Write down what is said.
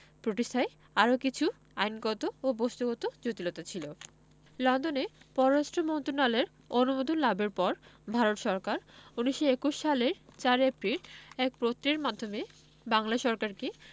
প্রতিষ্ঠায় আরও কিছু আইনগত ও বস্তগত জটিলতা ছিল লন্ডনে পররাষ্ট্র মন্ত্রণালয়ের অনুমোদন লাভের পর ভারত সরকার ১৯২১ সালের ৪ এপ্রিল এক পত্রের মাধ্যমে বাংলা সরকারকে